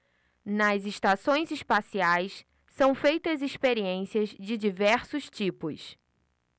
nas estações espaciais são feitas experiências de diversos tipos